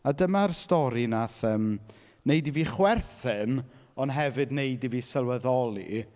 A dyma'r stori wnaeth yym wneud i fi chwerthin ond hefyd wneud i fi sylweddoli...